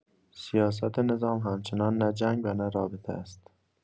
سیاست نظام همچنان نه جنگ و نه رابطه است.